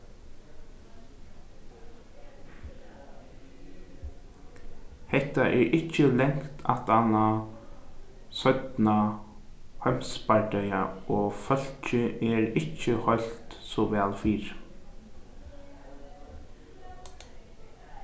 hetta er ikki langt aftan á seinna heimsbardaga og fólkið er ikki heilt so væl fyri